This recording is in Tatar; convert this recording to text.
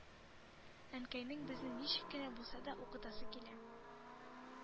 Әнкәйнең безне ничек кенә булса да укытасы килә...